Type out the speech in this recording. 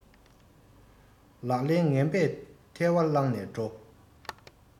ལག ལེན ངན པས ཐལ བ བསླངས ནས འགྲོ